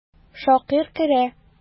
Шакир керә.